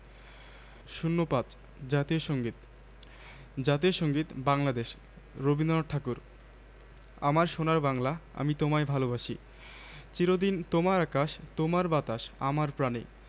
০৫ জাতীয় সংগীত জাতীয় সংগীত বাংলাদেশ রবীন্দ্রনাথ ঠাকুর আমার সোনার বাংলা আমি তোমায় ভালোবাসি চির দিন তোমার আকাশ তোমার বাতাস আমার প্রাণে